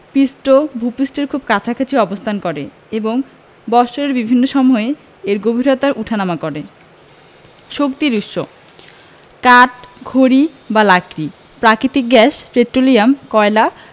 পৃষ্ঠ ভূ পৃষ্ঠের খুব কাছাকাছি অবস্থান করে এবং বৎসরের বিভিন্ন সময় এর গভীরতা উঠানামা করে শক্তির উৎসঃ কাঠ খড়ি বা লাকড়ি প্রাকৃতিক গ্যাস পেট্রোলিয়াম কয়লা